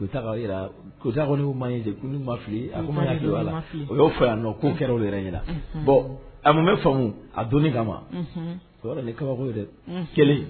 ko n'u ma fili u y'o fɔ yanni nɔ k'o kɛra olu yɛrɛ ɲɛna, unhun, bon a mun bɛ faamu a donni kama, unhun, i b'a dɔn nin ye kabako ye dɛ, kelen